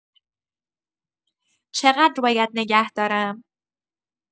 چه‌قدر باید نگه دارم؟